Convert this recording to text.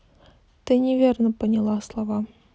ты неверно поняла слова